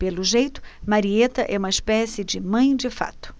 pelo jeito marieta é uma espécie de mãe de fato